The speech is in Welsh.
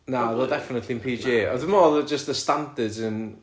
na o'dd o definitely yn PG ond dwi meddwl oedd o jyst y standards yn...